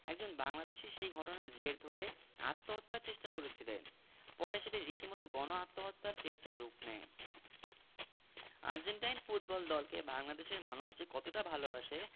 একজন বাংলাদেশি সে ঘটনার জের ধরে আত্মহত্যার চেষ্টা করেছিলেন পরে সেটি রীতিমতো গণ আত্মহত্যার চেষ্টায় রূপ নেয় আর্জেন্টাইন ফুটবল দলকে বাংলাদেশের মানুষ যে কতটা ভালোবাসে